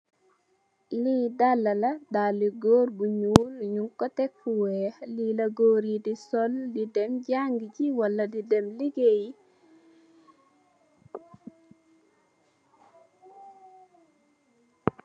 Le dala la. dele góor bu ñuul nyu ko tek fu weyh le la goor yi sol di dem jangegi ak dem legai.